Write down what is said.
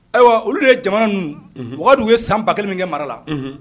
Ayiwa olu ye jamana ninnu wagadu ye san ba kelen min kɛ mara la